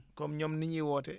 comme ñoom ni ñuy woote